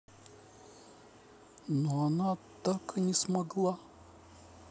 но она так и не смогла